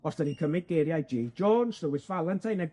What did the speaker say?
Os 'dan ni'n cymryd geiriau Jay Jones, Lewis Valentine a